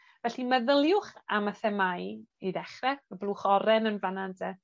Felly meddyliwch am y themâu i ddechre, y blwch oren yn fana ynde?